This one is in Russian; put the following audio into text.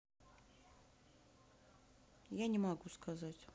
я не могу сказать